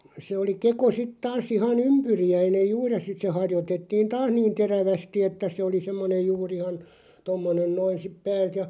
se oli keko sitten taas ihan ympyriäinen juuri ja sitten se harjoitettiin taas niin terävästi että se oli semmoinen juuri ihan tuommoinen noin sitten päältä ja